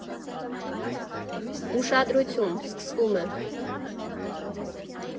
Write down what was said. «Ուշադրություն, սկսվում է…